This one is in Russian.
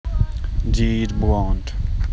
dead blonde